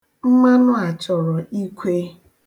Mmanụ a chọrọ ikwe.